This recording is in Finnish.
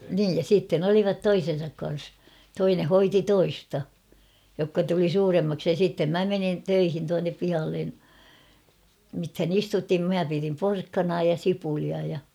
niin ja sitten olivat toisensa kanssa toinen hoiti toista jotka tuli suuremmaksi ja sitten minä menin töihin tuonne pihalle mitähän istutin minä pidin porkkanaa ja sipulia ja